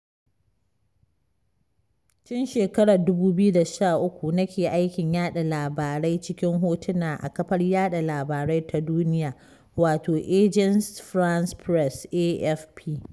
Tun 2013 nake aikin yaɗa labarai cikin hotuna a kafar yaɗa labarai ta duniya, wato Agence France Presse (AFP).